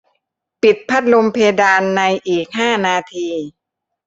ปิดพัดลมเพดานในอีกห้านาที